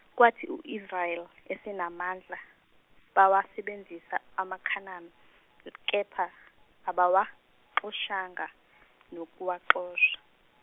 kwathi u Israel esenamandla, bawasebenzisa amaKhanani kepha, abawaxoshanga, nokuwaxosha.